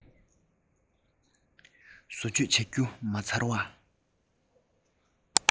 བཟོ བཅོས བྱ རྒྱུ མ ཚར བ